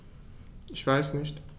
Ich weiß nicht.